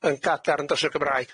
yn gadarn dros y Gymraeg.